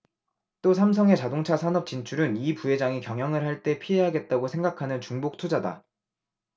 또 삼성의 자동차 산업 진출은 이 부회장이 경영을 할 때 피해야겠다고 생각하는 중복 투자다